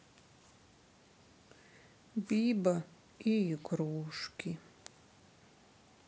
бибо и игрушки